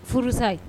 Furusa ye